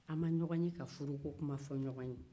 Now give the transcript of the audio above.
an ma ɲɔgɔn ye ka furuko fɔ ɲɔgɔn ye